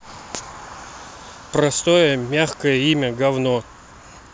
простое мягкое имя гавно